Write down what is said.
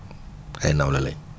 ay nawle lañ